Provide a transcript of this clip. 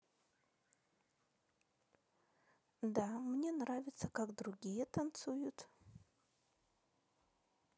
да мне нравится как другие танцуют